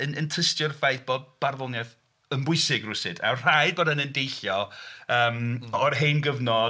Yn yn tystio i'r ffaith bod barddoniaeth yn bwysig rywsut a rhaid bod hynny'n deillio yym... m-hm. ...o'r hen gyfnod.